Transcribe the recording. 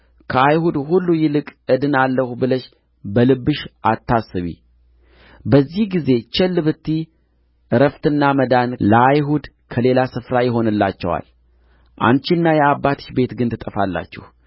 ከአይሁድ ሁሉ ይልቅ እድናለሁ ብለሽ በልብሽ አታስቢ በዚህ ጊዜ ቸል ብትዪ ዕረፍትና መዳን ለአይሁድ ከሌላ ስፍራ ይሆንላቸዋል አንቺና የአባትሽ ቤት ግን ትጠፋላችሁ